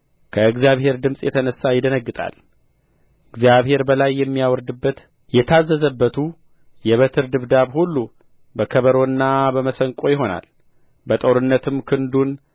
ከእግዚአብሔር ድምፅ የተነሣ ይደነግጣል እግዚአብሔር በላዩ በሚያወርድበት የታዘዘበቱ የበትር ድብደባ ሁሉ በከበሮና በመሰንቆ ይሆናል በጦርነትም ክንዱን